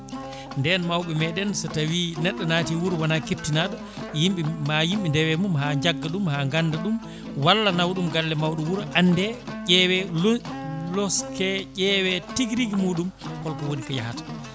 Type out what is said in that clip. nden mawɓe meɗen so tawi neɗɗo naati wuuro wona keptinaɗo yimɓe ma yimɓe deewe mum ha jagga ɗum ha ganda ɗum walla nawa ɗum galle mawɗo wuuro ande ƴeewe loske ƴeewe tigui rigui muɗum holko woni ko yaahata